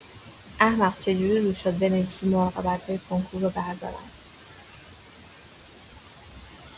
احمق چجوری روت شد بنویسی مراقبت‌های کنکورو بردارن